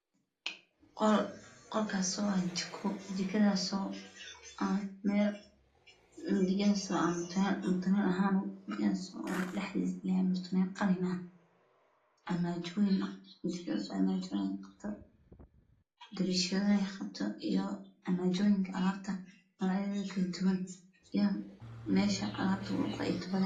Waa qol qolkaas oo ah jiko dariishada qabto